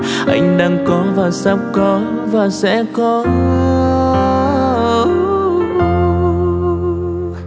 anh đang có và sắp có và sẽ có